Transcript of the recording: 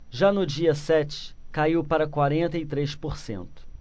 já no dia sete caiu para quarenta e três por cento